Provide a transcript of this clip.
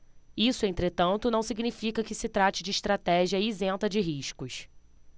isso entretanto não significa que se trate de estratégia isenta de riscos